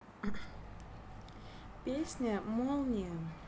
песня молния